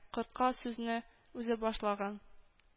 Кортка сүзне үзе башлаган: